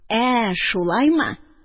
Ә шулаймы?